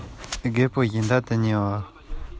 ཚ གྲང གང ཡང མེད པའི